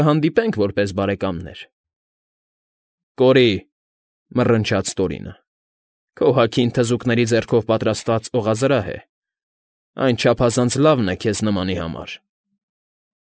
Կհանդիպենք որպես բարեկամներ։ ֊ Կորի՛…֊ մռնչաց Տորինը։֊ Քո հագին թզուկների ձեռքով պատրաստված օղազրահ է, այն չափազանց լավն է քեզ նմանի համար։